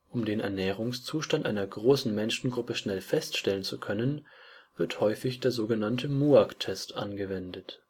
den Ernährungszustand einer großen Menschengruppe schnell feststellen zu können, wird häufig der so genannte MUAC-Test angewendet